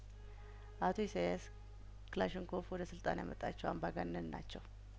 አቶ ኢሳይያስ ክላሽንኮቭ ወደ ስልጣን ያመጣቸው አምባገነን ናቸው